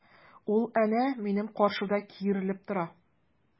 Ул әнә минем каршыда киерелеп тора!